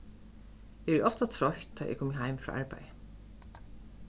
eg eri ofta troytt tá ið eg komi heim frá arbeiði